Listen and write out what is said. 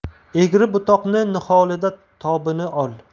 egri butoqni niholida tobini ol